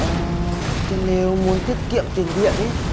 ờ thế nếu muốn tiết kiệm tiền điện ấy